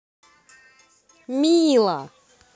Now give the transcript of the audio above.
мила